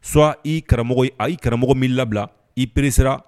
Su i karamɔgɔ a' karamɔgɔ mii labila i peresira